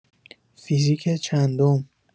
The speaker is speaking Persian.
فیزیک چندم